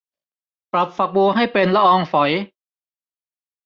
ปรับฝักบัวให้เป็นละอองฝอย